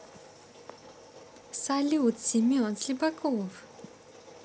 салют семен слепаков